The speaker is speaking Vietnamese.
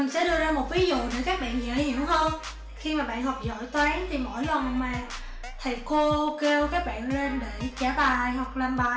mình sẽ đưa ra một ví dụ để các bạn dễ hiểu hơn khi mà bạn học giỏi toán thì mỗi lần mà thầy cô kêu các bạn lên để trả bài hoặc làm bài